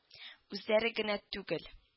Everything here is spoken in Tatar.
Үзләре генә түгел